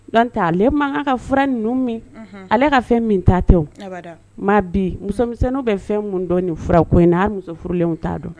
Donc ale mankan kan ka fura ninnu min, unhun, ale ka fɛn min ta tɛ o, abada, mais bi musomɛsɛnnu bɛ fɛn min dɔn ni fura ko in na hali muso furulen t'a dɔn.